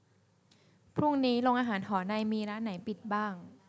พรุ่งนี้โรงอาหารหอในมีร้านไหนปิดบ้าง